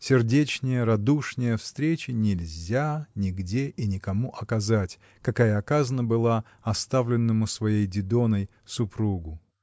Сердечнее, радушнее встречи нельзя нигде и никому оказать, какая оказана была оставленному своей Дидоной супругу.